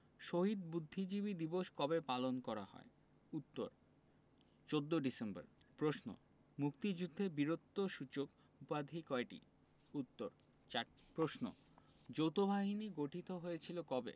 শহীদ বুদ্ধিজীবী দিবস কবে পালন করা হয় উত্তর ১৪ ডিসেম্বর প্রশ্ন মুক্তিযুদ্ধে বীরত্বসূচক উপাধি কয়টি উত্তর চারটি প্রশ্ন যৌথবাহিনী গঠিত হয়েছিল কবে